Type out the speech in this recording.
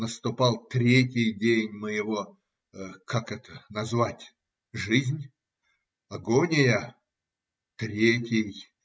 Наступал третий день моего. Как это назвать? Жизнь? Агония? Третий.